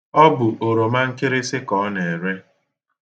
Ọ bụ oromankịrịsị ka ọ na-ere.